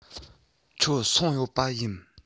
ཁྱོད སོང ཡོད པ ཡིན